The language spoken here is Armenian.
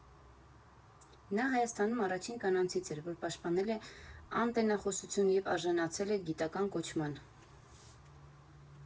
Նա Հայաստանում առաջին կանանցից էր, որ պաշտպանել է ատենախոսություն և արժանացել գիտական կոչման։